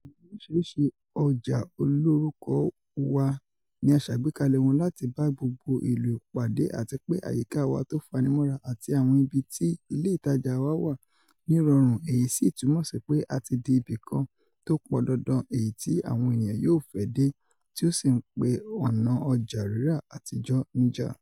Àwọn oríṣiríṣi ọjà olórúkọ wa ní a ṣàgbékalẹ̀ wọn láti bá gbogbo ìlò pàdé àtipé àyíká wa tó fanimọ́ra àti àwọn ibi tí ilé ìtajà wa wà ni ó rọrùn èyí sì túmọ sípé a ti di ibi kan tó pọn dandan èyití àwọn eniyan yóò fẹ́ dé tí ó sì ńpe ọ̀nà ọjà rírà àtijọ́ níjà.